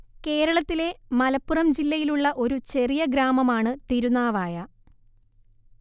കേരളത്തിലെ മലപ്പുറം ജില്ലയിലുള്ള ഒരു ചെറിയ ഗ്രാമമാണ് തിരുനാവായ